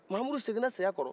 mahamudu seginna saya kɔrɔ